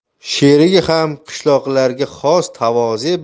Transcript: sherigi ham qishloqilarga xos tavoze